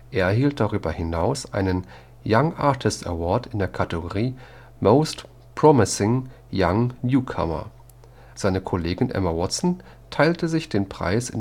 erhielt darüber hinaus einen Young Artist Award in der Kategorie Most Promising Young Newcomer; seine Kollegin Emma Watson teilte sich den Preis